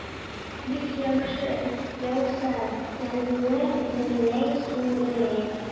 Бик яхшы, яуса, янгынны бөтенләй сүндерер.